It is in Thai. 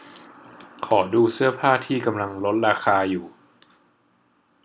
ขอดูเสื้อผ้าที่กำลังลดราคาอยู่